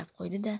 qarab qo'ydi da